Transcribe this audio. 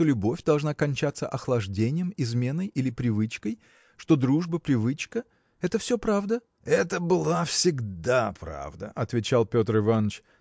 что любовь должна кончаться охлаждением изменой или привычкой? что дружба привычка? Это все правда? – Это была всегда правда – отвечал Петр Иваныч